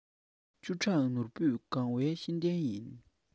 བཅུ ཕྲག ནོར བུས གང བའི ཤེས ལྡན ཡིན